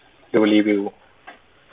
ดูรีวิว